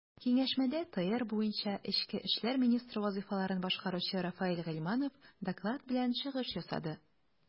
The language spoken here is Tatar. Киңәшмәдә ТР буенча эчке эшләр министры вазыйфаларын башкаручы Рафаэль Гыйльманов доклад белән чыгыш ясады.